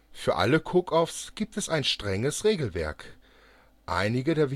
Für alle Cook Offs gibt es ein strenges Regelwerk; einige